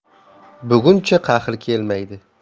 buguncha qahri kelmaydi